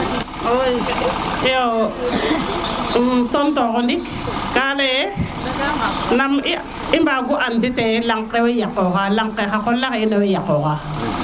miyo um tonto xo dik ka leye nam i mbagu an te lang ke wey yako xa lang ke xa qola xe ino wey yaqoxa